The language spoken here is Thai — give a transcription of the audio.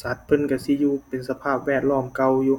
สัตว์เพิ่นเราสิอยู่เป็นสภาพแวดล้อมเก่าอยู่